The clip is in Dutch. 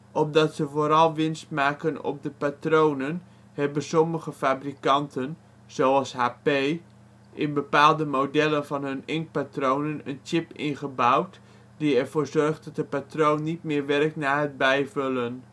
Omdat ze vooral winst maken op de patronen hebben sommige fabrikanten, zoals HP, in bepaalde modellen van hun inktpatronen een chip ingebouwd die ervoor zorgt dat de patroon niet meer werkt na het bijvullen